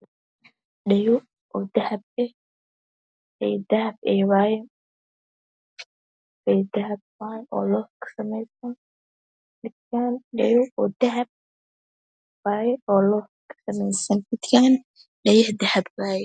Dhego dahabah waye okasameysan Loowaye